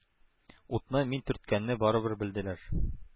Утны мин төрткәнне барыбер белделәр.